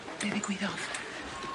Be' ddigwyddodd?